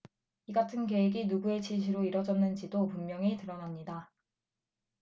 이 같은 계획이 누구의 지시로 이뤄졌는지도 분명히 드러납니다